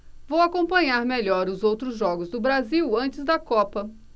vou acompanhar melhor os outros jogos do brasil antes da copa